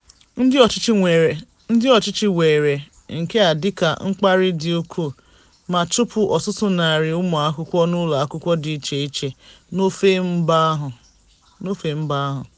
Ndị ọchịchị weere nke a dịka mkparị dị ukwuu ma chụpụ ọtụtụ narị ụmụakwụkwọ n'ụlọakwụkwọ dị icheiche n'ofe mba ahụ.